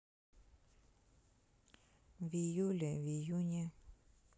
в июле в июне